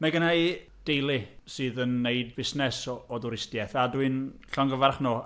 Ma' genna i deulu sydd yn wneud busnes o o dwristiaeth, a dwi'n llongyfarch nhw.